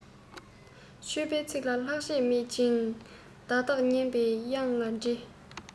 འཆད པའི ཚིག ལ ལྷག ཆད མེད ཅིང བརྡ དག སྙན པའི དབྱངས ལ འདྲེས